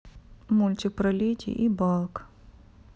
мультик про леди баг